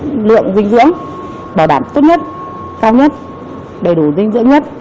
lượng dinh dưỡng bảo đảm tốt nhất cao nhất đầy đủ dinh dưỡng nhất